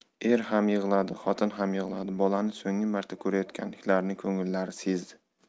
er ham yig'ladi xotin ham yig'ladi bolani so'nggi marta ko'rayotganlarini ko'ngillari sezdi